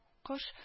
Кош